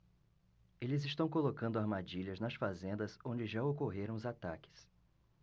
eles estão colocando armadilhas nas fazendas onde já ocorreram os ataques